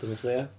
Di nhw'n fflio?